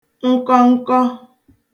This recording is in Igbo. nkọnkọ